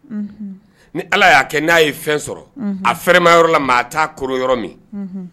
Ni ala y'a kɛ n' ye fɛn sɔrɔ a fɛma yɔrɔ la maa t' koro yɔrɔ min